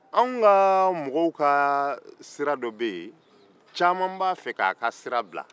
anw ka mɔgɔw ka sira dɔw bɛ yen caman b'a fɛ k'a ka sira bila